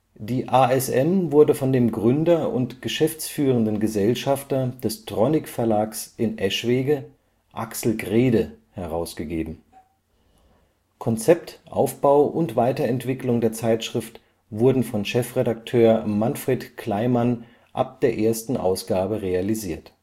Die ASM wurde von dem Gründer und geschäftsführenden Gesellschafter des Tronic-Verlages in Eschwege, Axel Grede, herausgegeben. Konzept, Aufbau und Weiterentwicklung der Zeitschrift wurden von Chefredakteur Manfred Kleimann ab der ersten Ausgabe realisiert